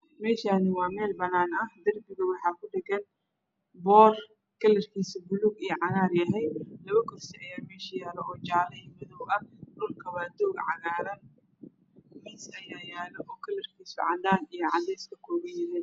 Meshan waa mel banan ah darbiga waxa kudhegan boor kalarkis baluug io cagar yahay labo kursi aya mesh yalo oo jale ah io madow ah dhulka waa doog cagaran mis aya yalo oo kalarkis cadan io cades kakuban